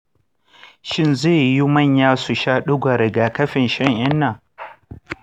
shin zai yiwu manya su sha digon rigakafin shan-inna?